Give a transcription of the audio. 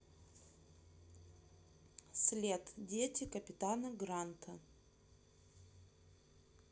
след дети капитана гранта